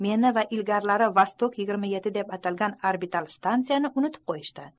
meni va ilgarilari vostokyigirma yetti deb atalgan orbital stansiyani unutib qo'yishdi